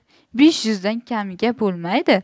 besh yuzdan kamiga bo'lmaydi